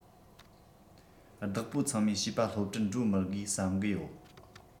བདག པོ ཚང མས བྱིས པ སློབ གྲྭར འགྲོ མི བསམ གི ཡོད